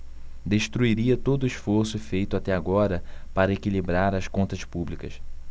destruiria todo esforço feito até agora para equilibrar as contas públicas